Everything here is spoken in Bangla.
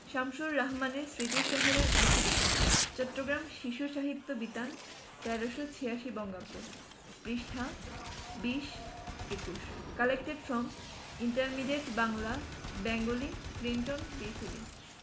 শামসুর রাহমান স্মৃতির শহর এর অংশবিশেষ চট্টগ্রাম শিশু সাহিত্য বিতান ১৩৮৬ বঙ্গাব্দ পৃ ২০ ২১ Collected from Intermediate Bangla Bengali Clinton B Seely